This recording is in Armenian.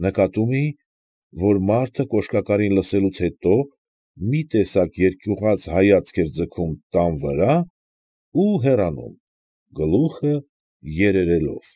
Նկատում էի, որ մարդը, կոշկակարին լսելուց հետո, մի տեսակ երկյուղած հայացք է ձգում տան վրա ու հեռանում, գլուխը երերելով։